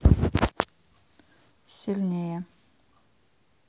сильнее